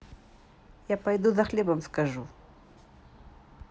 я пойду за хлебом скажу